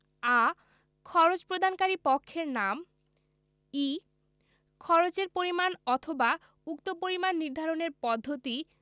আ খরচ প্রদানকারী পক্ষের নাম ই খরচের পরিমাণ অথবা উক্ত পরিমাণ নির্ধারণের পদ্ধতি